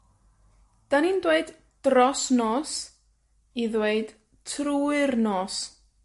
'Dan ni'n dweud dros nos i ddweud trwy'r nos.